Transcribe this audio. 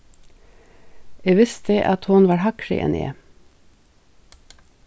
eg visti at hon var hægri enn eg